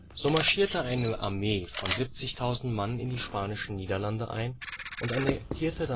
So marschierte eine Armee von 70.000 Mann in die Spanischen Niederlande ein und annektierte